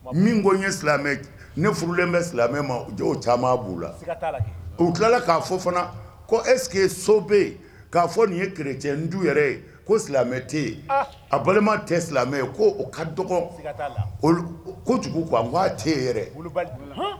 Min ko n ye silamɛ ne furulen bɛ silamɛ ma caman b'u la u tilala k'a fɔ fana ko esseke so bɛ yen k'a fɔ nin ye kere cɛ du yɛrɛ ye ko silamɛ tɛ a balima tɛ silamɛ ko ka dɔgɔ kojugu ko a' tɛ yɛrɛ